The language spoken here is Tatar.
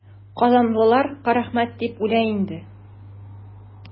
Казанлылар Карәхмәт дип үлә инде.